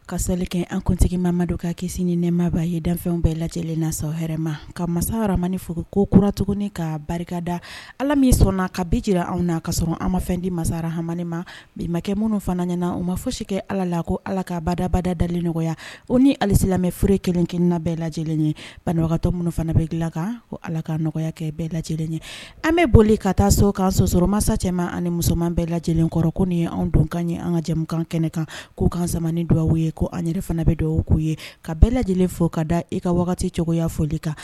Ka sali kɛ ankuntigi ma ma don ka kisi ni nɛmaba yedafɛnw bɛɛ lajɛ lajɛlen nasa hɛrɛma ka masa hamani fo ko kurauran tugun ka barika da ala min sɔnna ka bi jira an na kasɔrɔ an ma fɛn di masara hamani ma bi makɛ minnu fana ɲɛna na u ma fɔ si kɛ ala la ko ala ka badabada dali nɔgɔya u ni halisi fur kelen-kelenina bɛɛ lajɛlen ye banabagatɔ minnu fana bɛ dilan kan ko ala ka nɔgɔya kɛ bɛɛ lajɛ lajɛlen ye an bɛ boli ka taa so ka sɔsɔrɔmasa cɛman ani musoman bɛɛ lajɛ lajɛlenkɔrɔ ko ni ye an dun ka ɲɛ an ka jɛkan kɛnɛ kan k'u kansamani dugawuwa ye ko an yɛrɛ fana bɛ dɔw k'u ye ka bɛɛ lajɛlen fɔ ka da i ka waati wagati cogoyaya foli kan